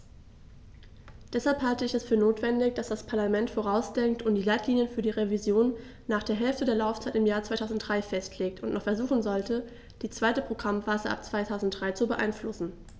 Deshalb halte ich es für notwendig, dass das Parlament vorausdenkt und die Leitlinien für die Revision nach der Hälfte der Laufzeit im Jahr 2003 festlegt und noch versuchen sollte, die zweite Programmphase ab 2003 zu beeinflussen.